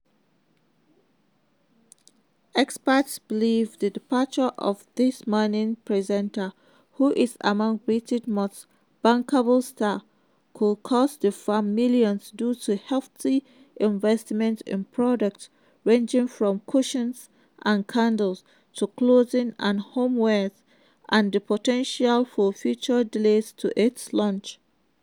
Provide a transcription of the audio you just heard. Experts believe the departure of the This Morning presenter, who is among Britain's most bankable stars, could cost the firm millions due to hefty investment in products ranging from cushions and candles to clothing and homewear, and the potential for further delays to its launch.